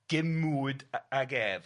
gymwyd a- ag ef.